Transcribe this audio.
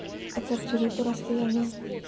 отсортируй по расстоянию